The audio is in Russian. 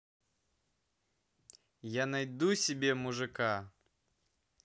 я найду себе мужика